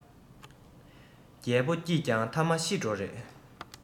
རྒྱལ པོ སྐྱིད ཀྱང ཐ མ ཤི འགྲོ རེད